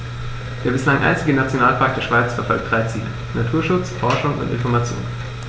Der bislang einzige Nationalpark der Schweiz verfolgt drei Ziele: Naturschutz, Forschung und Information.